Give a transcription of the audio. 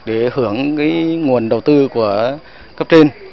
để hưởng cái nguồn đầu tư của cấp trên